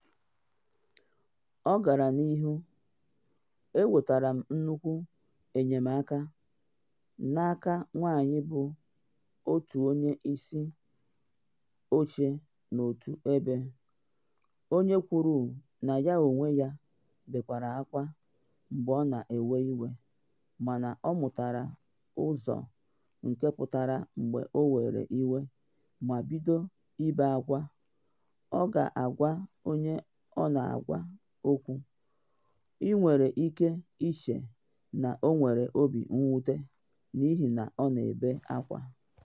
Ọ gara n’ihu, “Enwetara m nnukwu enyemaka n’aka nwanyị bụ otu onye isi oche n’otu ebe, onye kwuru na ya onwe ya bekwara akwa mgbe ọ na ewe iwe, mana ọ mụtara ụzọ nke pụtara mgbe ọ were iwe ma bido ịbe akwa, ọ ga-agwa onye ọ na agwa okwu, “Ị nwere ike ịche na m nwere obi mwute n’ihi na m na ebe akwa.